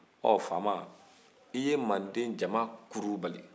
ɔ fama i ye mande jama kuru bar